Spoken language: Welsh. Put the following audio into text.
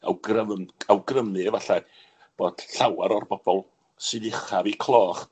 awgrym- yn awgrymu efallai bod llawar o'r bobol sydd uchaf 'u cloch